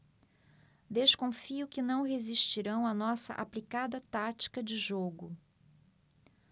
desconfio que não resistirão à nossa aplicada tática de jogo